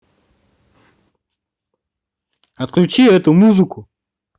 отключи эту музыку